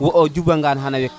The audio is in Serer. wo juba ngan xama wek tu